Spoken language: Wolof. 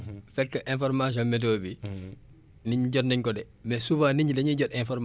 nit ñi jot nañ ko de mais souvent nit ñi dañuy jot information ba pare def